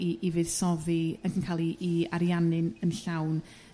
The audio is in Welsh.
'i 'i fuddsoddi ac 'n ca'l 'i i ariannu'n yn llawn.